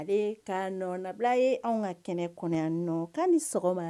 Ale ka nɔ nabila ye anw ka kɛnɛ kɔnɔ nɔ ka ni sɔgɔma